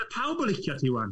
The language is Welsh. Oedd pawb yn licio ti ŵan.